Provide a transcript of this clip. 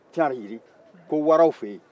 carin yiri ko waraw fɛ yen